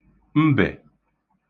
mbè